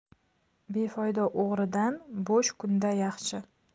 befoyda o'g'irdan bo'sh kunda yaxshi